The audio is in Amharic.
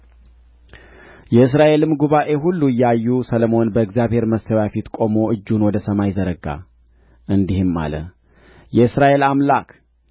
የእስራኤልም ጉባኤ ሁሉ እያዩ ሰሎሞን በእግዚአብሔር መሠዊያ ፊት ቆሞ እጆቹን ወደ ሰማይ ዘረጋ እንዲህም አለ የእስራኤል አምላክ